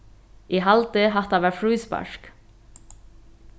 eg haldi hatta var fríspark